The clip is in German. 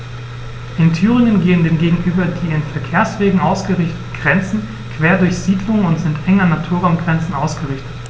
In Thüringen gehen dem gegenüber die an Verkehrswegen ausgerichteten Grenzen quer durch Siedlungen und sind eng an Naturraumgrenzen ausgerichtet.